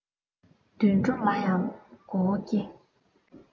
དུད འགྲོ ལ ཡང གོ བ སྐྱེ